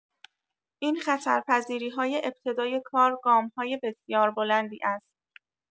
این خطرپذیری‌های ابتدای کار گام‌های بسیار بلندی است.